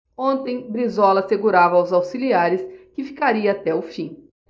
ontem brizola assegurava aos auxiliares que ficaria até o fim